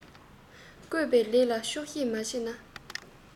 བཀོད པའི ལས ལ ཆོག ཤེས མ བྱས ན